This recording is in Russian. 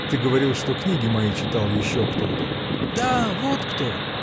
— Ты говорил, что книги мои читал еще кто-то. — Да вот кто!